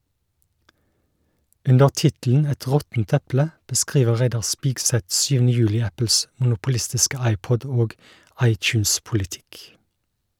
Under tittelen "Et råttent eple" beskriver Reidar Spigseth 7. juli Apples monopolistiske iPod- og iTunes-politikk.